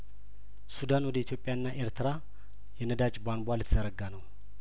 ሱዳን ወደ ኢትዮጵያና ኤርትራ የነዳጅ ቧንቧ ልትዘረጋ ነው